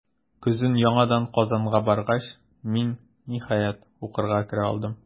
Көзен яңадан Казанга баргач, мин, ниһаять, укырга керә алдым.